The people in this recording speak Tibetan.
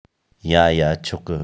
ཡ ཡ ཆོག གི